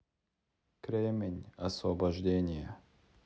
кремень освобождение